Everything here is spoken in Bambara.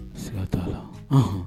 Siga t'a la